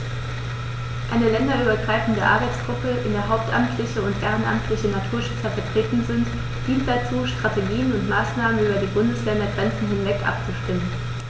Eine länderübergreifende Arbeitsgruppe, in der hauptamtliche und ehrenamtliche Naturschützer vertreten sind, dient dazu, Strategien und Maßnahmen über die Bundesländergrenzen hinweg abzustimmen.